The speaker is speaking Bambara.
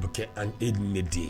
O bɛ kɛ an, e ni ne den ye